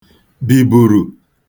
bìbùrù